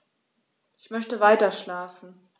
Ich möchte weiterschlafen.